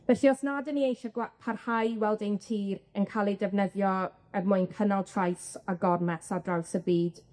Felly, os nad 'yn ni eisiau gwa- parhau i weld ein tir yn ca'l ei defnyddio er mwyn cynnal trais a gormes ar draws y byd,